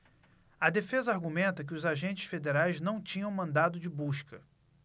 a defesa argumenta que os agentes federais não tinham mandado de busca